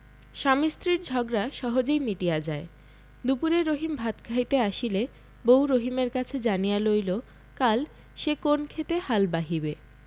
স্বামী স্ত্রীর ঝগড়া সহজেই মিটিয়া যায় দুপুরে রহিম ভাত খাইতে আসিলে বউ রহিমের কাছে জানিয়া লইল কাল সে কোন ক্ষেতে হাল বাহিবে